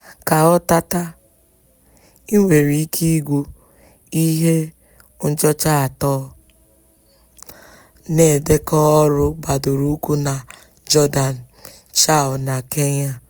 Ka ọ tata, ị nwere ike ịgụ ihe nchọcha atọ na-edekọ ọrụ gbadoro ụkwụ na Jọdan, Chile na Kenya.